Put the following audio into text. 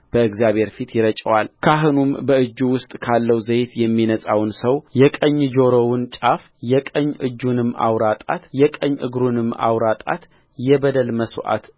በእግዚአብሔር ፊት ይረጨዋልካህኑም በእጁ ውስጥ ካለው ዘይት የሚነጻውን ሰው የቀኝ ጆሮውን ጫፍ የቀኝ እጁንም አውራ ጣት የቀኝ እግሩንም አውራ ጣት የበደል መሥዋዕት